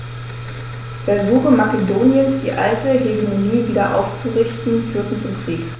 Versuche Makedoniens, die alte Hegemonie wieder aufzurichten, führten zum Krieg.